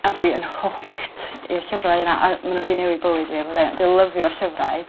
A dwi yn hooked i'r llyfrau yna a ma' n'w 'di newid bywyd fi a bydde dwi lyfio'r llyfrau.